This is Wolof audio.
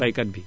baykat bi